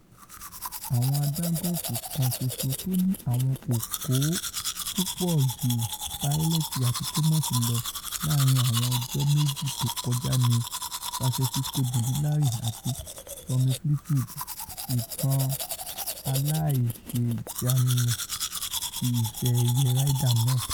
̀Àwọn agbá̀ gọ́ọ̀fù kan ṣoṣo tóní àwọn kókó púpọ̀ ju Spieth àti Thomas lọ láàrin àwọn ọjọ́ méjì tókọjá ni Francesco Molinari à̵ti Tommy Fleetwood, ìtàn aláìṣeéjàníyàn ti Ìfe-ẹ̀yẹ́ Ryder náà.